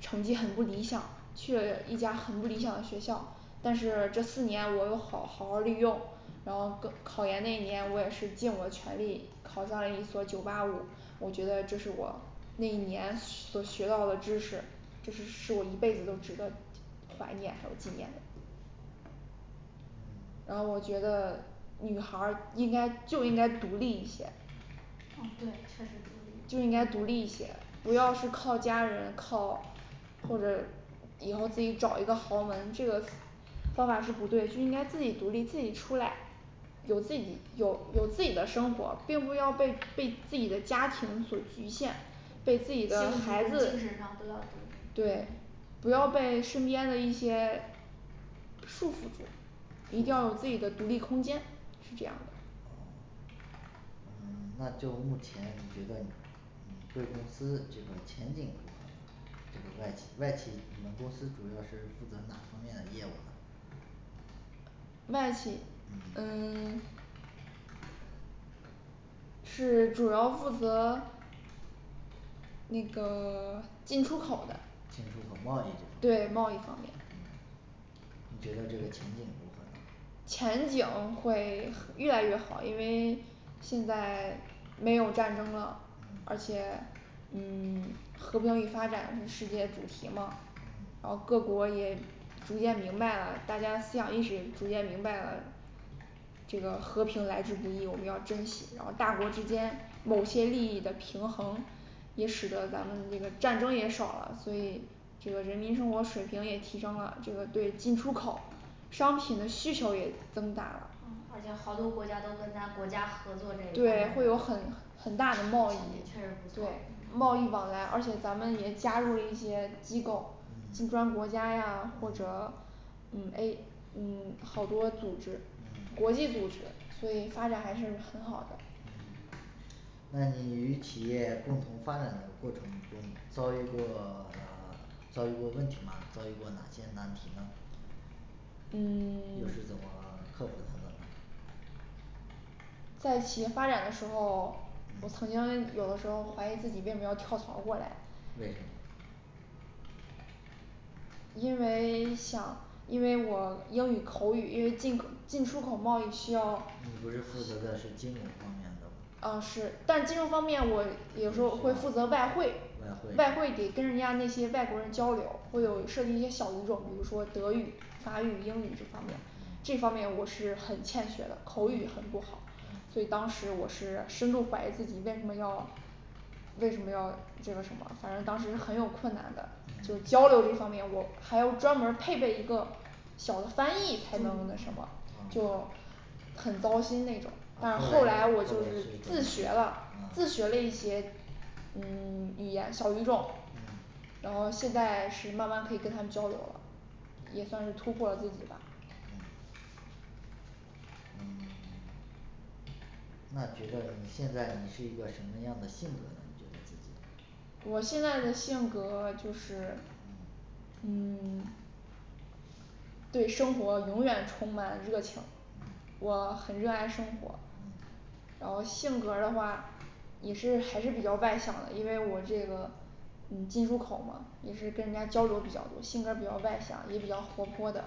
成绩很不理想，去了一家很不理想的学校，但是这四年我有好儿好儿利用，然后高 考研那一年我也是尽我全力考上一所九八五，我觉得这是我那一年需 所学到的知识，这是使我一辈子都值得纪 怀念还有纪念的嗯然后我觉得女孩儿应该就应该独立一些噢对确实独立就应该独立一些，不要是靠家人靠，或者以后自己找一个豪门，这个方法是不对，是应该自己独立自己出来，有自己有有自己的生活，并不要被被自己的家庭所局限被自己的孩精子神上都要对，不要被身边的一些束缚住一束定要有自缚噢己的独立空间是这样的嗯 那就目前你觉得你嗯贵公司这个前景如何呢？这个外企外企你们公司主要是负责哪方面的业务呢外企嗯嗯 是主要负责那个 进出口的进出口贸易，对这贸易方方面面嗯你觉得这个前景如何呢前景会越来越好，因为 现在 没有战争了，嗯而且嗯 和平与发展是世界主题嘛嗯，然后各国也逐渐明白啦，大家思想意识逐渐明白啦这个和平来之不易，我们要珍惜，然后大国之间某些利益的平衡， 也使得咱们这个战争也少了，所以这个人民生活水平也提升了，这个对进出口商品的需求也增大了，对会有很很很大大的贸贸易易确实不对错，贸易往来，而且咱们也加入了一些机构，嗯金砖国家呀或者嗯诶嗯 好多组织，嗯国际组织，所以发展还是很好的嗯那你与企业共同发展的过程中遭遇过 遭遇过问题吗？遭遇过哪些难题呢？嗯 又是怎么 克服它的呢在企业发展的时候，我曾嗯经有的时候怀疑自己为什么要跳槽过来为什么因为 想因为我英语口语因为进口进出口贸易需要你不是负责的是金融方面的吗啊是但金融方面我有时候会负责外汇，外外汇汇得跟人家那些外国人交流，会有涉及一些小语种，比如说德语法语英语这方面，嗯这方面我是很欠缺的，口语很不好，嗯所以当时我是深度怀疑自己为什么要为什么要这个什么，反正当时是很有困难的，就嗯交流这方面，我还要专门儿配备一个小的翻译才能那嗯什么就啊很糟心那种，啊但是后后来来后来我学就是怎自学么啊了，自学了一些嗯 语言小语种，然后现在是慢慢可以跟他们交流了，也算是突破了自己吧嗯嗯 那觉得你现在你是一个什么样的性格呢，觉得自己我现在的性格就是嗯嗯 对生活永远充满热情嗯。我很热爱生活，然后性格儿的话也还是比较外向的，因为我这个嗯进出口嘛，也是跟人家交流比较多，性格儿比较外向，也比较活泼的